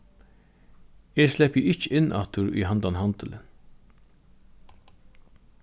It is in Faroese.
eg sleppi ikki inn aftur í handan handilin